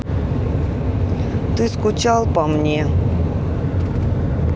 ты скучал по мне